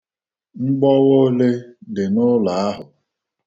Mgbọwa ole dị n'ụlọ ahụ?